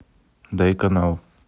дай канал